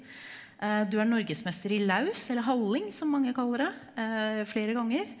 du er norgesmester i laus eller halling som mange kaller det flere ganger.